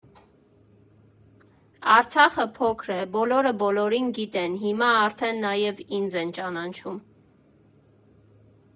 Արցախը փոքր է, բոլորը բոլորին գիտեն, հիմա արդեն նաև ինձ են ճանաչում։